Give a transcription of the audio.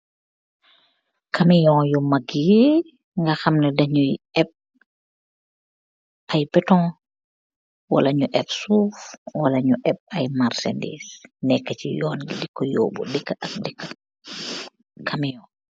kamiyoun yuu mag your hamneh dejj ko tek ayy bagaas.